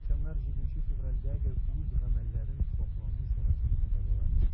Американнар 7 февральдәге үз гамәлләрен саклану чарасы дип атадылар.